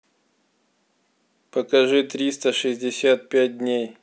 покажи триста шестьдесят пять дней